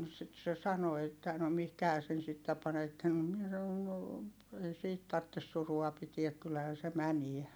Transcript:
sitten se sanoi että no mihinkähän sen sitten panette no minä sanoin no ei siitä tarvitse surua pitää kyllähän se menee